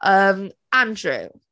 Yym, Andrew?